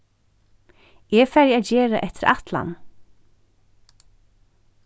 eg fari at gera eftir ætlan